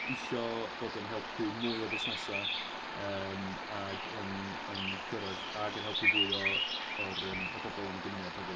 Isio bod yn helpu mwy o fusnesau, yym ac yn yn cyrraedd ac yn helpu fwy o o'r yym o bobl yn y gymuned hefyd.